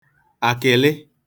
àkị̀lị